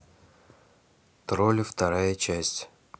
тролли вторая часть